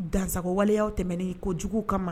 Dansago waleya tɛmɛnɛna i ko jugu ka mara